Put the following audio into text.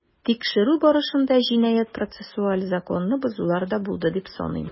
Тикшерү барышында җинаять-процессуаль законны бозулар да булды дип саныйм.